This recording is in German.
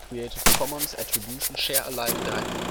Commons Attribution Share Alike 3 Punkt